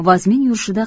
vazmin yurishida